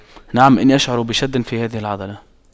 نعم إني اشعر بشد في هذه العضلة